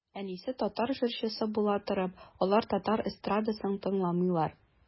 Әнисе татар җырчысы була торып, алар татар эстрадасын тыңламыйлар.